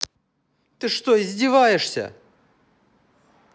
ты что издеваешь